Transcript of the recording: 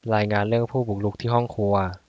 รายงานเรื่องผู้บุกรุกที่ห้องครัว